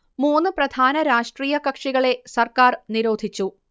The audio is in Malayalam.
മൂന്നു പ്രധാന രാഷ്ട്രീയ കക്ഷികളെ സർക്കാർ നിരോധിച്ചു